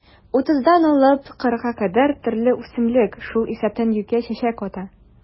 30-40 төрле үсемлек, шул исәптән юкә чәчәк ата.